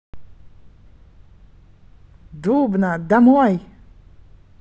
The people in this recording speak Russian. дубна домой